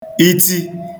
itsi